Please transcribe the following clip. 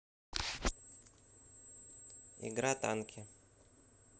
игра танки